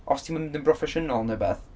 Os ti'm yn mynd yn broffesiynol neu rywbeth.